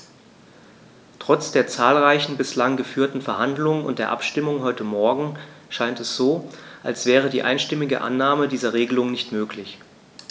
Trotz der zahlreichen bislang geführten Verhandlungen und der Abstimmung heute Morgen scheint es so, als wäre die einstimmige Annahme dieser Regelung nicht möglich.